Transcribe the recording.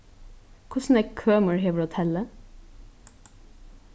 hvussu nógv kømur hevur hotellið